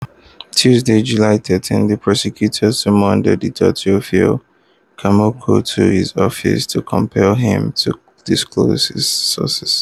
Tuesday, July 13, the prosecutor summoned editor Théophile Kouamouo to his office to compel him to disclose his sources.